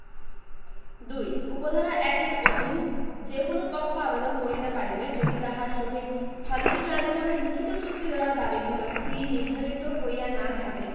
২ উপ ধারা ১ এর অধীন যে কোন পক্ষ আবেদন করিতে পারিবে যদি তাহার সহিত সালিসী ট্রাইব্যুনালের লিখিত চুক্তি দ্বারা দাবীকৃত ফি নির্ধারিত হইয়া না থাকে